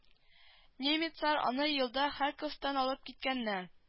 Немецлар аны елда харьковтан алып киткәннәр